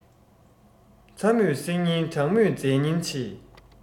ཚ མོས བསྲེག ཉེན གྲང མོས རྫས ཉེན ཆེ